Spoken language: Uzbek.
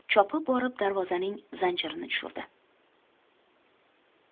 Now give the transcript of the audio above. chopib borib darvozaning zanjirini tushirdi